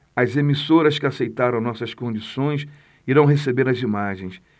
as emissoras que aceitaram nossas condições irão receber as imagens